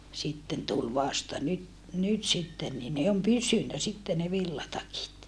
sitten tuli vasta nyt nyt sitten niin ne on pysynyt sitten ne villatakit